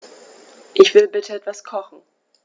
Ich will bitte etwas kochen.